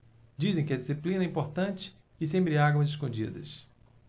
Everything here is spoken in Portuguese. dizem que a disciplina é importante e se embriagam às escondidas